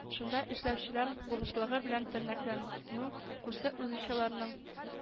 Шунда эшләүчеләр булышлыгы белән тернәкләнү курсы узучыларның